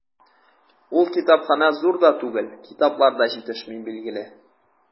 Ул китапханә зур да түгел, китаплар да җитешми, билгеле.